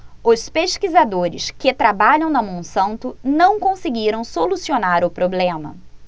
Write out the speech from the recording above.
os pesquisadores que trabalham na monsanto não conseguiram solucionar o problema